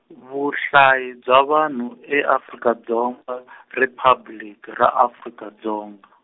Vuhlayi bya Vanhu e Afrika Dzonga , Riphabliki ra Afrika Dzonga.